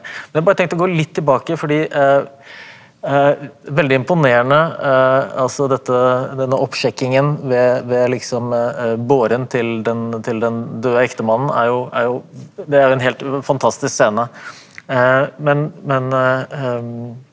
men jeg bare tenkt å gå litt litt tilbake fordi veldig imponerende altså dette denne oppsjekkingen ved ved liksom båren til den til den døde ektemannen er jo er jo det er jo en helt fantastisk scene men men .